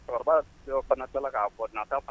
Cɛkɔrɔba fana dala k'a bɔ n'ta faga